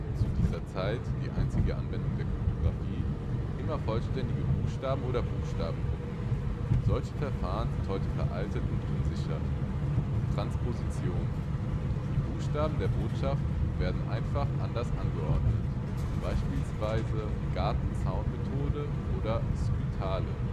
zu dieser Zeit die einzige Anwendung der Kryptographie) immer vollständige Buchstaben oder Buchstabengruppen. Solche Verfahren sind heute veraltet und unsicher. Transposition: Die Buchstaben der Botschaft werden einfach anders angeordnet. Beispiel: Gartenzaunmethode oder Skytale